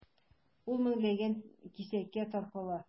Ул меңләгән кисәккә таркала.